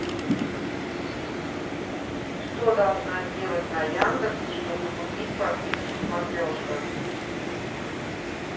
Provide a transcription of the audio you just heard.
что должна сделать на яндекс чтобы купить подписку смотрешка